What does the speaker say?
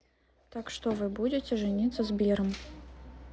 так что вы будете жениться сбером